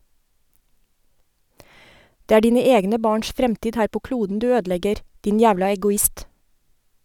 Det er dine egne barns fremtid her på kloden du ødelegger, din jævla egoist.